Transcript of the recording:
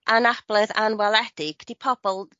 anabledd anwaledig 'di pobol